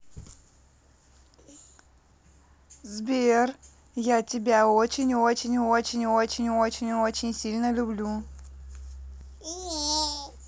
сбер я тебя очень очень очень очень очень очень сильно люблю